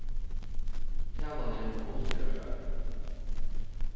talan er um fulltíðarstarv